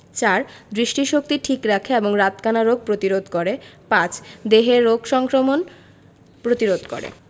৪. দৃষ্টিশক্তি ঠিক রাখে এবং রাতকানা রোগ প্রতিরোধ করে ৫. দেহে রোগ সংক্রমণ প্রতিরোধ করে